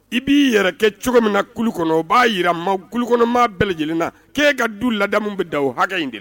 I b'i yɛrɛ kɛ cogo min na kulu kɔnɔ o b'a jirara ma kulu kɔnɔma bɛɛ lajɛlenna k'e ka du ladamu bɛ da o hakɛ in de